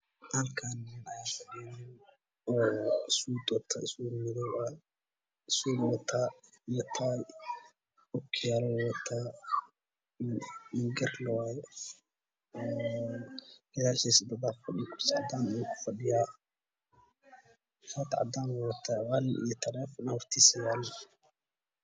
Halnkan nin ayaafadhiyo oowatasuud sutmodow ah iyo taw okiyalowat ningerlewaye gadasha dad fadhiyo kursicadannukufadhiya shaticadannuwataa qalin yi tallefonhortisyala